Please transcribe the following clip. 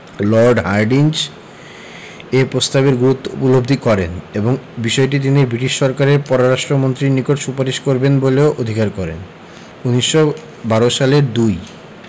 Lord Hardinge এ পস্তাবের গুরুত্ব উপলব্ধি করেন এবং বিষয়টি তিনি ব্রিটিশ সরকারের পররাষ্ট্র মন্ত্রীর নিকট সুপারিশ করবেন বলেও অধিকার করেন ১৯১২ সালের ২